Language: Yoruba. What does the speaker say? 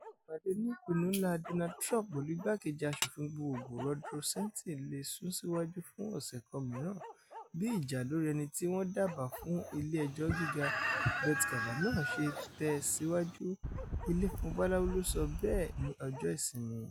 Ìpàdé onípinnu-ńlá Donald Trump pẹ̀lú ìgbákejì àṣòfin gbogbogbò Rod Rosenstein le “sún síwájú fún ọ̀ṣẹ̀ kan mìíràn” bí ìjà lórí ẹnítí wọn dábàá fún ilé ẹjọ́ gíga Brett kavanaugh ṣe tẹ́ ṣíwájú, Ilé Funfun Báláú ló sọ bẹ́ẹ̀ ní Ọjọ́ ìsinmi.